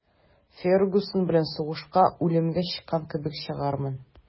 «фергюсон белән сугышка үлемгә чыккан кебек чыгармын»